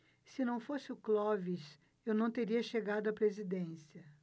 se não fosse o clóvis eu não teria chegado à presidência